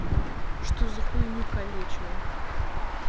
что за хуйню колечила